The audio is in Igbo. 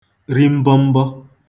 ri mbọmbọ